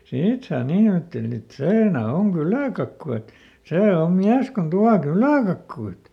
siitä sai niin ajatteli että siinä on kyläkakku että se on mies kun tuo kyläkakkuja